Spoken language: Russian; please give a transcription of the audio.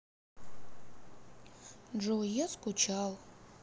джой я скучал